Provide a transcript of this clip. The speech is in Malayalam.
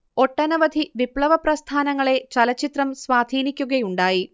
ഒട്ടനവധി വിപ്ലവ പ്രസ്ഥാനങ്ങളെ ചലച്ചിത്രം സ്വാധീനിക്കുകയുണ്ടായി